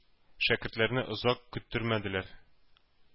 Шәкертләрне озак көттермәделәр,